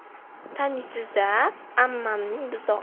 taniysiza ammamning buzog'i